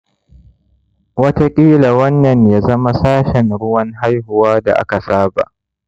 wataƙila wannan ya zama sashen ruwan-haihuwa da aka saba